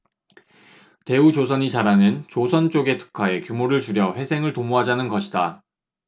대우조선이 잘하는 조선 쪽에 특화해 규모를 줄여 회생을 도모하자는 것이다